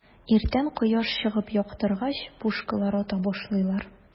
Иртән кояш чыгып яктыргач, пушкалар ата башлыйлар.